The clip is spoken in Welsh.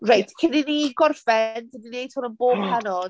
Reit, cyn i ni gorffen dan ni'n wneud hwn yn bob pennod.